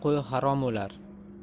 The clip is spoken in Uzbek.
qo'y harom o'lar